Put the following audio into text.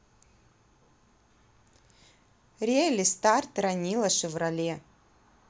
really старт ранила шевролет